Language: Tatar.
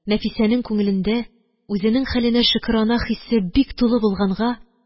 Нәфисәнең күңелендә үзенең хәленә шөкранә хисе бик тулы булганга